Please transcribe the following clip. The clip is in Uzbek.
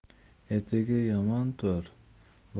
etigi yomon to'r